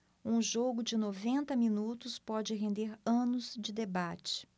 um jogo de noventa minutos pode render anos de debate